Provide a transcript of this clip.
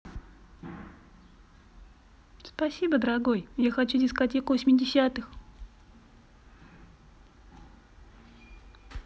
спасибо дорогой я хочу дискотеку восьмидесятых